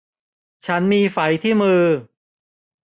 ฉันมีไฝที่มือ